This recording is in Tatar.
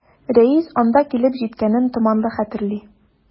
Рәис анда килеп җиткәнен томанлы хәтерли.